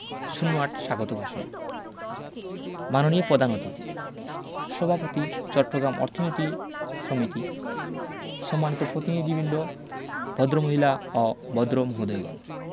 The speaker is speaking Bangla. ০৮ স্বাগত ভাষণ মাননীয় পধান অতিথি সভাপতি চট্টগাম অর্থনীতি সমিতি সম্মানীত পতিনিধিবিন্দ ভদ্রমহিলা ও ভদ্রমহোদয়গণ